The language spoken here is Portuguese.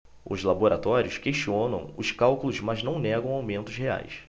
os laboratórios questionam os cálculos mas não negam aumentos reais